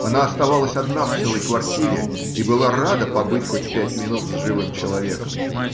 Она оставалась одна в целой квартире и была рада побыть хоть пять минут с живым человеком.